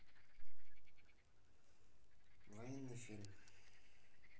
военный фильм